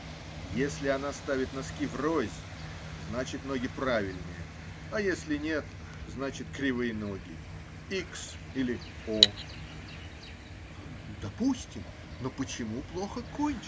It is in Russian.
-- Если она ставит носки врозь, значит -- ноги правильные, а если нет, значит -- кривые ноги. Икс или О. -- Допустим. Но почему плохо кончит?